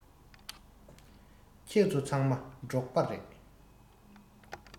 ཁྱེད ཚོ ཚང མ འབྲོག པ རེད